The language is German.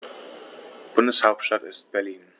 Bundeshauptstadt ist Berlin.